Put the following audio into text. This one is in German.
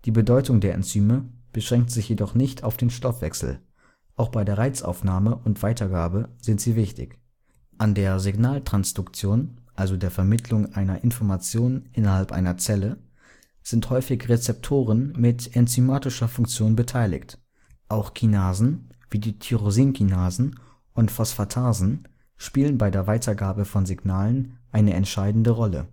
Bedeutung der Enzyme beschränkt sich jedoch nicht auf den Stoffwechsel, auch bei der Reizaufnahme und - weitergabe sind sie wichtig. An der Signaltransduktion, also der Vermittlung einer Information innerhalb einer Zelle, sind häufig Rezeptoren mit enzymatischer Funktion beteiligt. Auch Kinasen, wie die Tyrosinkinasen und Phosphatasen spielen bei der Weitergabe von Signalen eine entscheidende Rolle